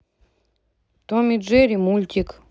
том и джерри мультик